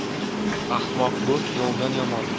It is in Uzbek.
ahmoq do'st yovdan yomon